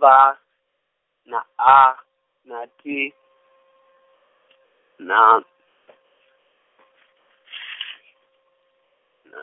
V na A na T na , na,